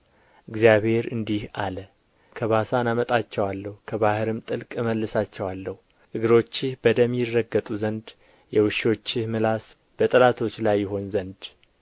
እግዚአብሔር እንዲህ አለ ከባሳን አመጣቸዋለሁ ከባሕርም ጥልቅ እመልሳቸዋለሁ እግሮችህ በደም ይረገጡ ዘንድ የውሾችህ ምላስ በጠላቶች ላይ ይሆን ዘንድ